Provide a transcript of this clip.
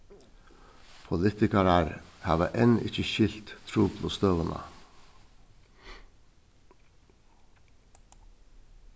politikarar hava enn ikki skilt truplu støðuna